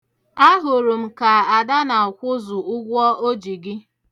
Ahụrụ ka Ada na-akwụzu ụgwọ o ji gị.